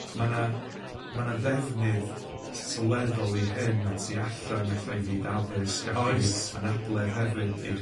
ma' 'na ma' 'na ddefnydd sylweddol i hyn y tu allan ella i fyd addysg ac i... Oes. ...anabledd hefyd i'r